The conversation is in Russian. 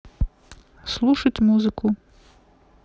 слушать музыку